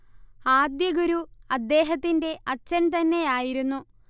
ആദ്യ ഗുരു അദ്ദേഹത്തിന്റെ അച്ഛൻ തന്നെയായിരുന്നു